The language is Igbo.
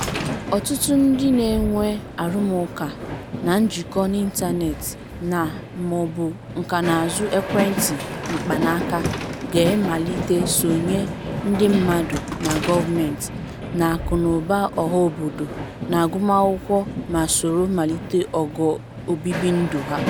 ọtụtụ ndị na-enwe arụmụụka na njikọ n'ịntanetị na/maọbụ nkànaụzụ ekwentị mkpanaaka ga-emelite nsonye ndị mmadụ na gọọmentị, n'akụnaụba ọhaobodo, n'agụmaakwụkwọ ma soro melite ogo obibindụ ha.